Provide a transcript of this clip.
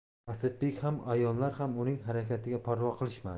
asadbek ham a'yonlar ham uning harakatiga parvo qilishmadi